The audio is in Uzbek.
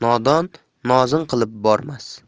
nodon nozin qilib bormas